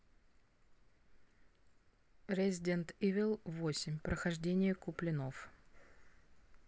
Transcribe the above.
resident evil восемь прохождение куплинов